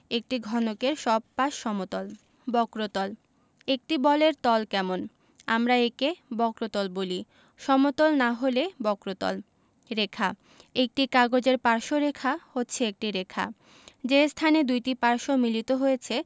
একটি ঘনকের সব পাশ সমতল বক্রতলঃ একটি বলের তল কেমন আমরা একে বক্রতল বলি সমতল না হলে বক্রতল রেখাঃ একটি কাগজের পার্শ্ব রেখা হচ্ছে একটি রেখা যে স্থানে দুইটি পার্শ্ব মিলিত হয়েছে